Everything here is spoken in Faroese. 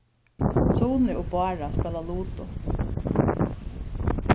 suni og bára spæla ludo